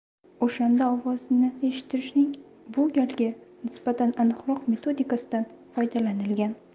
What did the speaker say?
o'shanda ovozni eshittirishning bu galgi nisbatan aniqroq metodikasidan foydalanilgan